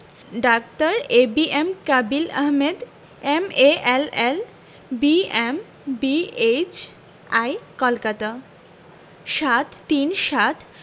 ডাঃ A B M Kabil Ahmed M A L L B M B H I Kolkata ৭৩৭